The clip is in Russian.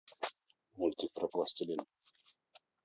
мультик про пластелин